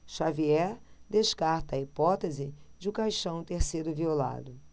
xavier descarta a hipótese de o caixão ter sido violado